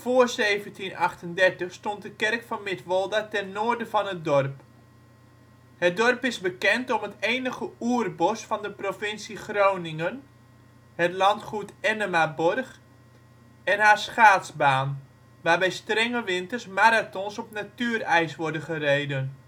Vóór 1738 stond de kerk van Midwolda ten noorden van het dorp (zie: kruiskerk van Midwolda) Het dorp is bekend om het enige oerbos van de provincie Groningen (het landgoed Ennemaborg) en haar schaatsbaan, waar bij strenge winters marathons op natuurijs worden gereden